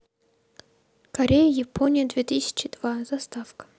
корея япония две тысячи два заставка